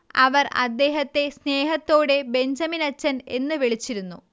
അവർ അദ്ദേഹത്തെ സ്നേഹത്തോടെ ബെഞ്ചമിനച്ചൻ എന്ന് വിളിച്ചിരുന്നു